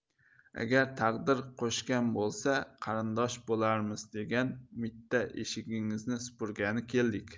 agar taqdir qo'shgan bo'lsa qarindosh bo'larmiz degan umidda eshigingizni supurgani keldik